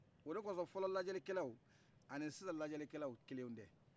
o de kɔsɔ fɔlɔ lajɛlikɛlaw ani sisan lajɛlikɛlaw kelenw tɛ